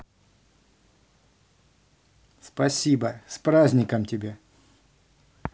спасибо с праздником тебя